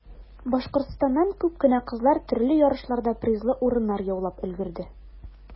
Башкортстаннан күп кенә кызлар төрле ярышларда призлы урыннар яулап өлгерде.